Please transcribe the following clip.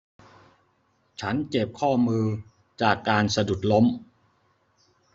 ฉันเจ็บข้อมือจากการสะดุดล้ม